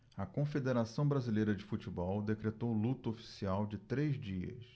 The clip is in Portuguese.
a confederação brasileira de futebol decretou luto oficial de três dias